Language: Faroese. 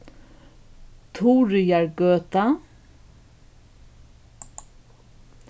turiðargøta